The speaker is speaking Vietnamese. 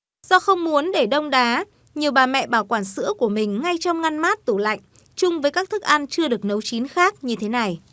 do không muốn để đông đá nhiều bà mẹ bảo quản sữa của mình ngay trong ngăn mát tủ lạnh chung với các thức ăn chưa được nấu chín khác như thế này